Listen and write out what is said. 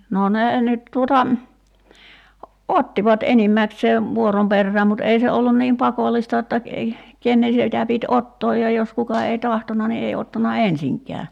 no ne nyt tuota ottivat enimmäkseen vuoron perään mutta ei se ollut niin pakollista jotta kenen sitä piti ottaa ja jos kuka ei tahtonut niin ei ottanut ensinkään